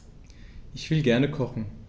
Ich will gerne kochen.